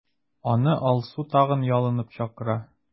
Аны Алсу тагын ялынып чакыра.